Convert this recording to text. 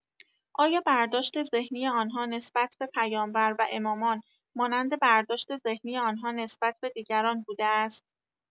آیا برداشت ذهنی آن‌ها نسبت به پیامبر و امامان، مانند برداشت ذهنی آن‌ها نسبت به دیگران بوده است؟